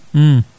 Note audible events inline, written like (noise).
(smacks lips)